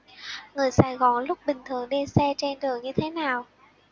người sài gòn lúc bình thường đi xe trên đường như thế nào